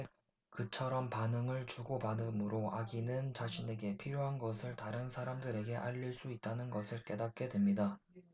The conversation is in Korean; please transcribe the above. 그처럼 반응을 주고받음으로 아기는 자신에게 필요한 것을 다른 사람들에게 알릴 수 있다는 것을 깨닫게 됩니다